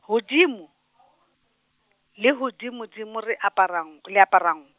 hodimo, le hodimodimo re apara nkwe le aparang.